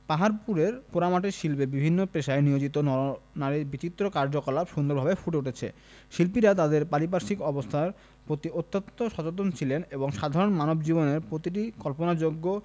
হাড়পুরের পোড়ামাটির শিল্পে বিভিন্ন পেশায় নিয়োজিত নর নারীর বিচিত্র কার্যকলাপ সুন্দরভাবে ফুটে উঠেছে শিল্পীরা তাদের পারিপার্শ্বিক অবস্থার প্রতি অত্যন্ত সচেতন ছিলেন এবং সাধারণ মানব জীবনের প্রতিটি কল্পনাযোগ্য